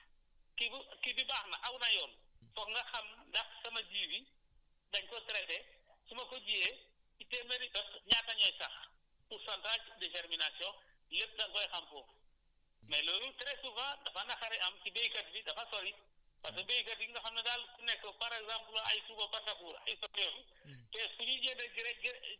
su nekkee nit ku normal kii bu kii bi baax na aw na yoon foog nga xam ndax sama kii bi dañ ko traiter su ma ko jiyee si téeméeri tos ñaata ñooy sax pourcentage détermination lépp da nga koy xam foofu mais loolu très souvent dafa naqare am si béykat bi dafa sori parce que béykat yi nga xam ne daal ku nekk par exemple ay Subapatakour ay côté yooyu